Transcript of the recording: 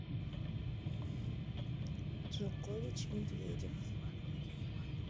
джокович медведев